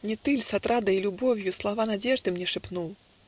Не ты ль, с отрадой и любовью, Слова надежды мне шепнул?